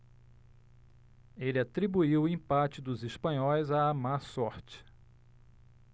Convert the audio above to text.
ele atribuiu o empate dos espanhóis à má sorte